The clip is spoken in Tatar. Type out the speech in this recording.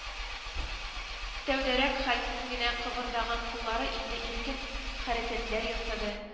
Тәүдәрәк хәлсез генә кыбырдаган куллары инде иркен хәрәкәтләр ясады